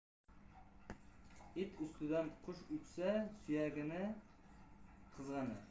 it ustidan qush uchsa suyagini qizg'anar